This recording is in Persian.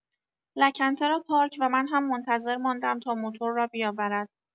لکنته را پارک و من هم منتظر ماندم تا موتور را بیاورد.